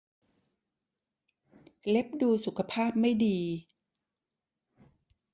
เล็บดูสุขภาพไม่ดี